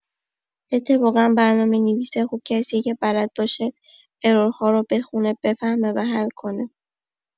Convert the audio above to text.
اتفاقا برنامه‌نویس خوب کسیه که بلد باشه ارورها رو بخونه، بفهمه و حل کنه.